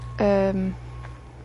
yym,